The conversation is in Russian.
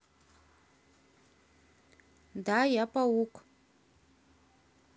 да я паук